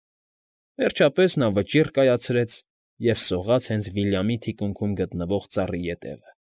Վերջապես նա վճիռ կայացրեց և սողաց հենց Վիլյամի թիկունքում գտնվող ծառի ետևը։